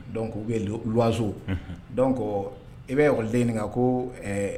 Dɔn ko waso dɔn ko i bɛkɔden ɲininka kan ko